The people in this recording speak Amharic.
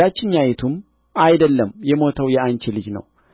ያችኛይቱም አይደለም የሞተው የአንቺ ልጅ ነው